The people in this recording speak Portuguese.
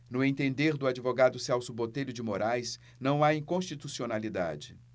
no entender do advogado celso botelho de moraes não há inconstitucionalidade